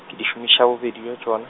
ke di šomiša ka bobedi bja tšona.